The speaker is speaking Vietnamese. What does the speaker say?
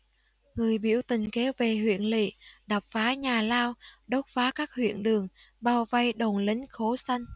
người biểu tình kéo về huyện lỵ đập phá nhà lao đốt phá các huyện đường bao vây đồn lính khố xanh